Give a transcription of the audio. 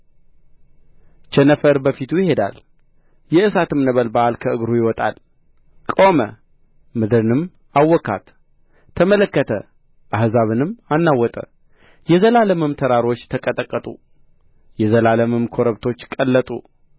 ቸነፈር በፊቱ ይሄዳል የእሳትም ነበልባል ከእግሩ ይወጣል ቆመ ምድርንም አወካት ተመለከተ አሕዛብንም አናወጠ የዘላለምም ተራሮች ተቀጠቀጡ የዘላለምም ኮረብቶች ቀለጡ